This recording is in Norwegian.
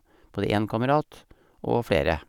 Både én kamerat og flere.